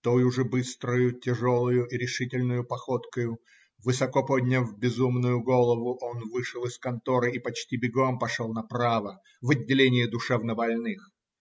тою же быстрою, тяжелою и решительною походкою, высоко подняв безумную голову, он вышел из конторы и почти бегом пошел направо, в отделение душевнобольных.